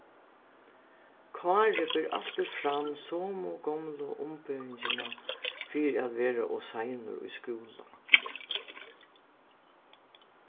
kári ber altíð fram somu gomlu umberingina fyri at vera ov seinur í skúla